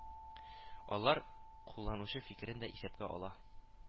Алар кулланучы фикерен дә исәпкә ала